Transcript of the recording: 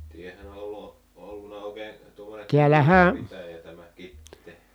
tämähän on ollut ollut oikein tuommoinen kuuluisa pitäjä tämä Kitee